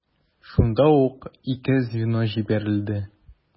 Шунда ук ике звено җибәрелде.